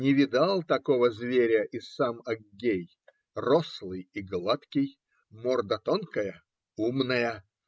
Не видал такого зверя и сам Аггей: рослый и гладкий, морда тонкая, умная